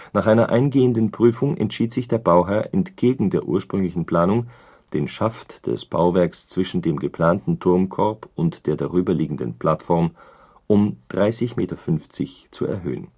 Nach einer eingehenden Prüfung entschied sich der Bauherr entgegen der ursprünglichen Planung, den Schaft des Bauwerks zwischen dem geplanten Turmkorb und der darüber liegenden Plattform um 30,5 Meter zu erhöhen